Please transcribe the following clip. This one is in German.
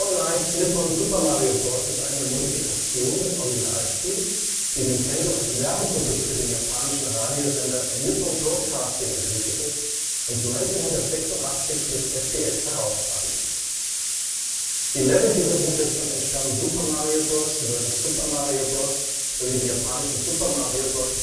Night Nippon Super Mario Bros. All Night Nippon Super Mario Bros. ist eine Modifikation des Originalspiels, die Nintendo als Werbeprodukt für den japanischen Radiosender Nippon Broadcasting entwickelte und 1986 für das FDS herausbrachte. Die Level dieser Umsetzung entstammen Super Mario Bros., Vs. Super Mario Bros. sowie dem japanischen Super Mario Bros